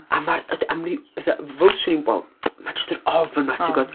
A ma'r yd- am ryw, fatha- ddylswn i, wel, ma' jyst yr ofn 'ma, tibod?